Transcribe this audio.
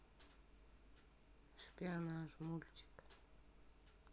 шпионаж мультик